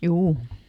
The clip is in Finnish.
juu